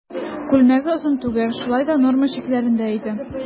Күлмәге озын түгел, шулай да норма чикләрендә иде.